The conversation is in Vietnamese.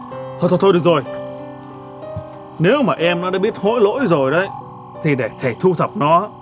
thôi thôi được rồi nếu mà em nó đã biết hối lỗi rồi thì để thầy thu thập nó